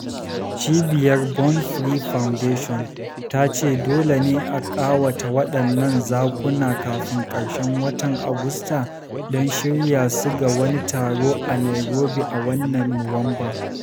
Cibiyar Born Free Foundation ta ce dole ne a ƙawata waɗannan zakuna kafin ƙarshen watan Agusta don shirya su ga wani taro a Nairobi a wannan Nuwamban.